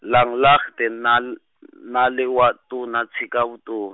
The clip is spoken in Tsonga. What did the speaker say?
Langlaagte nal- nala wa ntuna tshika vutom-.